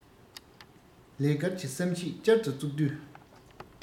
ལས སྐལ གྱི བསམ གཞིགས བསྐྱར དུ བཙུགས དུས